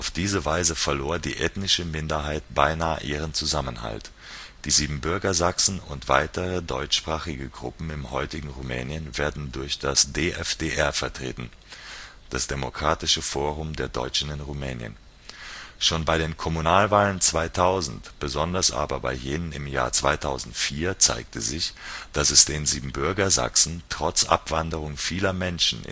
diese Weise verlor die ethnische Minderheit beinahe ihren Zusammenhalt. Die Siebenbürger Sachsen und weitere deutschsprachige Gruppen im heutigen Rumänien werden durch das DFDR vertreten (Demokratisches Forum der Deutschen in Rumänien). Schon bei den Kommunalwahlen 2000, besonders aber bei jenen im Jahr 2004 zeigte sich, dass es den Siebenbürger Sachsen trotz Abwanderung vieler Menschen